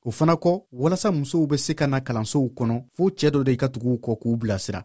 o fana kɔ walasa musow ka se ka na kalansow kɔnɔ fo cɛ dɔ ka tugu u kɔ k'u bilasira